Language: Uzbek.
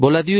bo'ladi yu